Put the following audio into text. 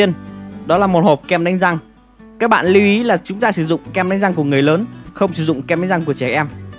đầu tiên đó là hộp kem đánh răng lưu ý chúng ta dùng kem đánh răng của người lớn chứ không dùng kem đánh răng của trẻ em